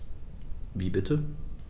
Wie bitte?